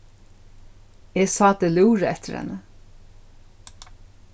eg sá teg lúra eftir henni